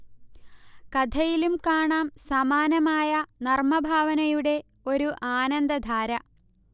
കഥയിലും കാണാം സമാനമായ നർമഭാവനയുടെ ഒരു ആനന്ദധാര